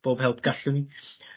Bob help gallwn ni.